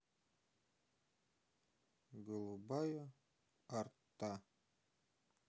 голубая арта